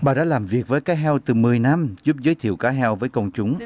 bà đã làm việc với cá heo từ mười năm giúp giới thiệu cá heo với công chúng